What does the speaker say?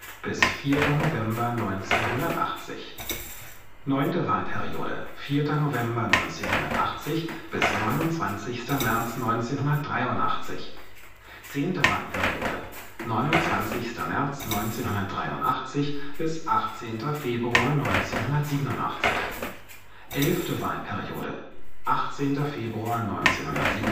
– 4. November 1980 9. Wahlperiode: 4. November 1980 – 29. März 1983 10. Wahlperiode: 29. März 1983 – 18. Februar 1987 11. Wahlperiode: 18. Februar 1987 –